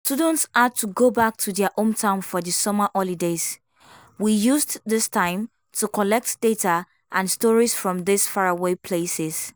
Students had to go back to their hometown for the summer holidays: we used this time to collect data and stories from these far away places.